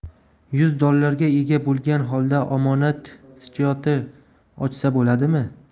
yuz dollarga ega bo'lgan holda omonat schyoti ochsa bo'ladimi